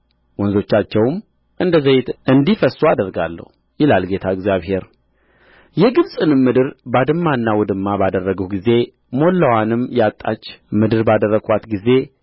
ወንዞቻቸውም እንደ ዘይት እንዲፈስሱ አደርጋለሁ ይላል ጌታ እግዚአብሔር የግብጽንም ምድር ባድማና ውድማ ባደረግሁ ጊዜ ሞላዋንም ያጣች ምድር ባደረግኋት ጊዜ